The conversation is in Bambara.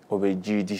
O bɛ ji di